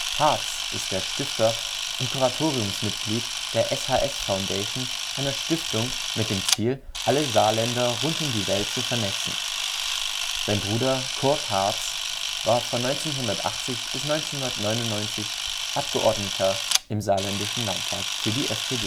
Hartz ist Stifter und Kuratoriumsmitglied der SHS-Foundation, einer Stiftung mit dem Ziel, alle Saarländer rund um die Welt zu vernetzen. Sein Bruder Kurt Hartz war von 1980 bis 1999 Abgeordneter im saarländischen Landtag für die SPD